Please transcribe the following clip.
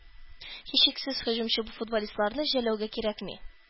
Һичшиксез һөҗүмче футболистларны жәллэүгә кирәкми.